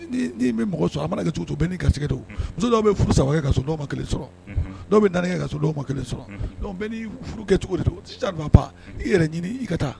Bɛ mɔgɔ sɔrɔ asɛ muso dɔw furu saba ka kelen dɔw bɛ ka cogo i yɛrɛ ɲini i ka taa